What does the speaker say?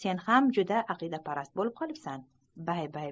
sen ham juda aqidaparast bolib ketyapsan